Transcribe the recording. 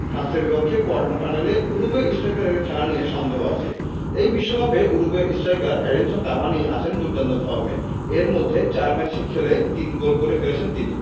ফ্রান্সের বিপক্ষে কোয়ার্টার ফাইনালে উরুগুয়ে স্ট্রাইকারের খেলা নিয়ে সন্দেহ আছে এই বিশ্বকাপে উরুগুয়ের স্ট্রাইকার এডিনসন কাভানি আছেন দুর্দান্ত ফর্মে এর মধ্যে ৪ ম্যাচে খেলে ৩ গোল করে ফেলেছেন তিনি